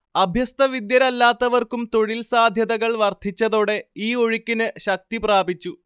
അഭ്യസ്തവിദ്യരല്ലാത്തവർക്കും തൊഴിൽ സാധ്യതകൾ വർദ്ധിച്ചതോടെ ഈ ഒഴുക്കിന് ശക്തി പ്രാപിച്ചു